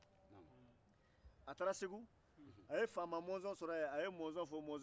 a ye faama mɔzɔn sɔrɔ segu